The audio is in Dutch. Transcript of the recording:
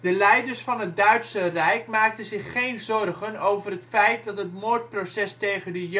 leiders van het Duitse rijk maakten zich geen zorgen over het feit dat het moordproces tegen de Joden